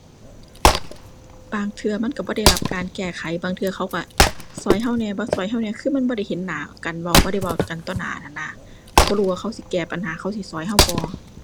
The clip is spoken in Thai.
บางเทื่อมันก็บ่ได้รับการแก้ไข บางเทื่อเขาก็ก็ก็แหน่ บ่ก็ก็แหน่ คือมันบ่ได้เห็นหน้ากัน เว้าบ่ได้เว้ากันต่อหน้านั่นนะ ก็บ่รู้ว่าเขาสิแก้ปัญหาเขาสิก็ก็บ่